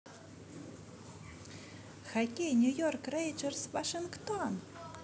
хоккей нью йорк рейнджерс вашингтон